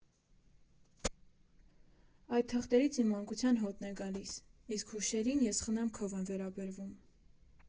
Այդ թղթերից իմ մանկության հոտն է գալիս, իսկ հուշերին ես խնամքով եմ վերաբերվում։